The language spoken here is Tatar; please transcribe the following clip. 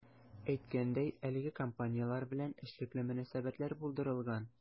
Әйткәндәй, әлеге компанияләр белән эшлекле мөнәсәбәтләр булдырылган.